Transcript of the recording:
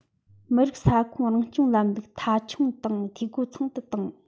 མི རིགས ས ཁོངས རང སྐྱོང ལམ ལུགས མཐའ འཁྱོངས དང འཐུས སྒོ ཚང དུ བཏང